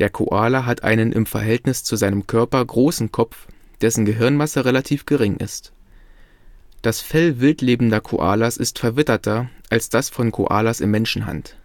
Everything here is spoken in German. Koala hat einen im Verhältnis zu seinem Körper großen Kopf, dessen Gehirnmasse relativ gering ist. Das Fell wildlebender Koalas ist verwitterter als das von Koalas in Menschenhand